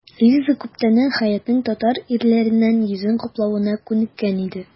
Лиза күптәннән Хәятның татар ирләреннән йөзен каплавына күнеккән иде.